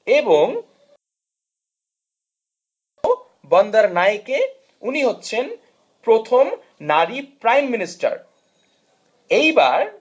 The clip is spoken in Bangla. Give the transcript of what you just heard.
এবং বন্দরনায়েকে উনি হচ্ছেন প্রথম নারী প্রাইম মিনিস্টার এইবার